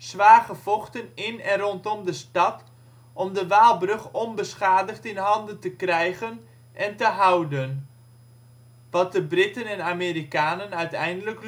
zwaar gevochten in en rondom de stad om de Waalbrug onbeschadigd in handen krijgen en te houden, wat de Britten en Amerikanen uiteindelijk